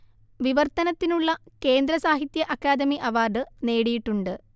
വിവർത്തനത്തിനുള്ള Kendra Sahitya Akademi award നേടിയിട്ടുണ്ട്